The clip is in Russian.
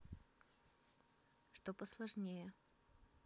что посложнее